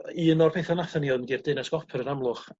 un o'r petha natha ni odd mynd i'r Deyrnas Gopr yn Amlwch